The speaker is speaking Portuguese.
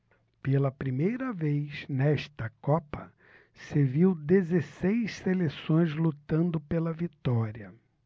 pela primeira vez nesta copa se viu dezesseis seleções lutando pela vitória